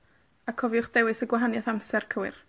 a cofiwch dewis y gwahanieth amser cywir.